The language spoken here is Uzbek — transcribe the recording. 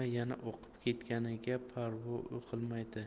oqib ketganiga parvo qilmaydi